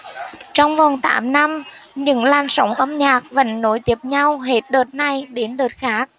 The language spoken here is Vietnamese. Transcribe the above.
trong vòng tám năm những làn sóng âm nhạc vẫn nối tiếp nhau hết đợt này đến đợt khác